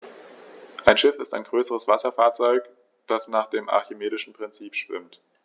Ein Schiff ist ein größeres Wasserfahrzeug, das nach dem archimedischen Prinzip schwimmt.